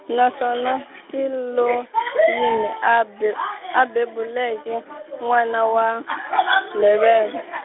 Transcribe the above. naswona, swi lo yini a be a bebuleke, n'wana wa , mbheveve?